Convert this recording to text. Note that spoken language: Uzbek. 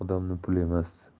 odamni pul emas